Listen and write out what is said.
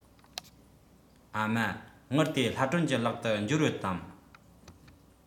ཨ མ དངུལ དེ ལྷ སྒྲོན གྱི ལག ཏུ འབྱོར ཡོད དམ